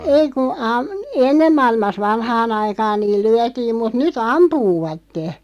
ei kun - ennen maailmassa vanhaan aikaan niin lyötiin mutta nyt ampuvat